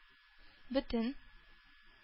Бөтен